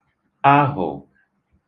ahụ̀